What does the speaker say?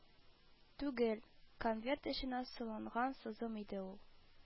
Түгел, конверт эченә салынган сызым иде ул